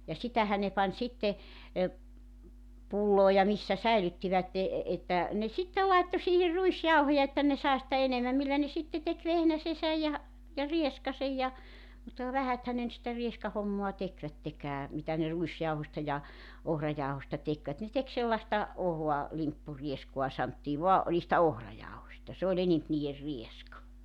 ja sitähän ne pani sitten - pulloon ja missä säilyttivät että ne sitten laittoi siihen ruisjauhoja että ne sai sitä enemmän millä ne sitten teki vehnäsensä ja ja rieskansa ja mutta ka vähäthän ne nyt sitä rieskahommaa tekivätkään mitä ne ruisjauhosta ja ohrajauhosta tekivät ne teki sellaista ohutta limppurieskaa sanottiin vain - niistä ohrajauhoista se oli enempi niiden rieska